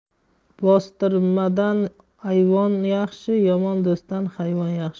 bostirmadan ayvon yaxshi yomon do'stdan hayvon yaxshi